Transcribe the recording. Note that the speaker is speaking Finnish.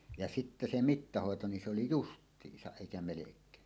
ja sitten se mittahoito niin se oli justiinsa eikä melkein